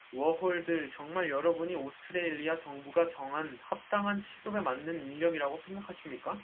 워홀들 정말 여러분이 오스트레일리아 정부가 정한 합당한 시급에 맞는 인력이라고 생각하십니까